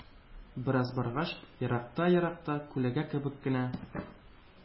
Бераз баргач, еракта-еракта күләгә кебек кенә